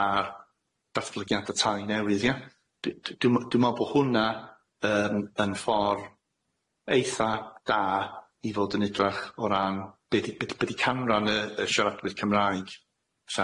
ar datblygiad y tai newydd ia d- d- dwi m- dwi me'wl bo' hwnna yym yn ffor' eitha da i fod yn edrach o ran be- be- be- be' di canran y y siaradwyr Cymraeg,